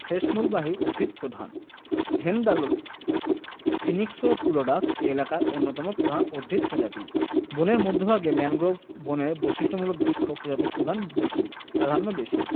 ঠৈসমূলবাহী উদ্ভিদ প্রধান হেন্দালও ফিনিক্স পুলেডোসা এ এলাকার অন্যতম প্রধান উদ্ভিদ প্রজাতি বনের মধ্যভাগে ম্যানগ্রোভ বনের বৈশিষ্ট্যমূলক বৃক্ষ প্রজাতির প্রাধান্য বেশি